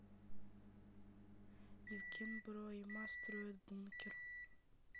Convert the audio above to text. евген бро и ма строят бункер